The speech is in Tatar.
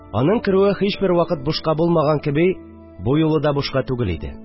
Аның керүе һичбер вакыт бушка булмаган кеби, бу юлы да бушка түгел иде